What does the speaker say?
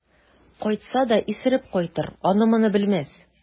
Кайтса да исереп кайтыр, аны-моны белмәс.